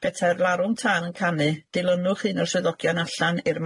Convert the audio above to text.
petai'r larwm tân yn canu dilynwch un o'r swyddogion allan i'r